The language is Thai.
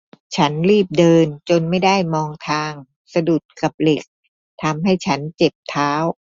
ฉันรีบเดินจนไม่ได้มองทางสะดุดกับเหล็กทำให้ฉันเจ็บเท้า